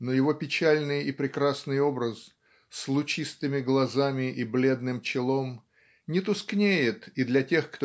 но его печальный и прекрасный образ с "лучистыми глазами и бледным челом" не тускнеет и для тех